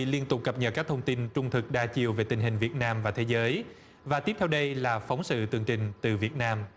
liên tục cập nhật các thông tin trung thực đa chiều về tình hình việt nam và thế giới và tiếp theo đây là phóng sự tường trình từ việt nam